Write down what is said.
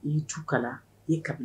I ye du kala i ye kabila